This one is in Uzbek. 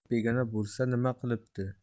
begona bo'lsa nima qilibdi